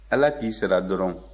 ala k'i sara dɔrɔn